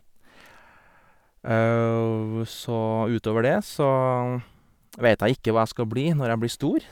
Så, utover det så vet jeg ikke hva jeg skal blir når jeg blir stor.